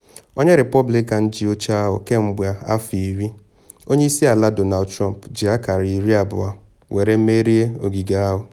Onye Repọblikan ji oche ahụ kemgbe afọ iri, Onye Isi Ala Donald Trump ji akara 20 wee merie ogige ahụ.